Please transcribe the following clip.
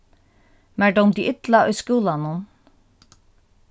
mær dámdi illa í skúlanum